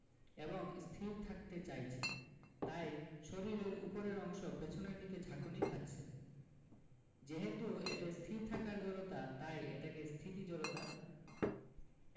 এবং স্থির থাকতে চাইছে তাই শরীরের ওপরের অংশ পেছনের দিকে ঝাঁকুনি খাচ্ছে যেহেতু এটা স্থির থাকার জড়তা তাই এটাকে স্থিতি জড়তা